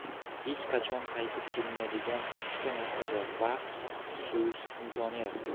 hech qachon qaytib kelmaydigan uchta narsa bor vaqt so'z imkoniyat